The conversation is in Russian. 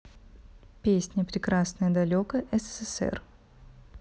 песня прекрасное далеко ссср